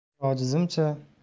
fikri ojizimcha